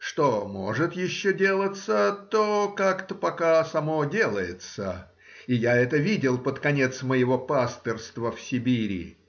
Что может еще делаться, то как-то пока само делается, и я это видел под конец моего пастырства в Сибири.